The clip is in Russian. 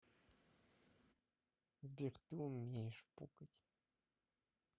сбер ты умеешь пукать